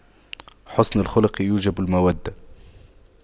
حُسْنُ الخلق يوجب المودة